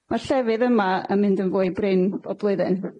Mae'r llefydd yma yn mynd yn fwy brin bob blwyddyn.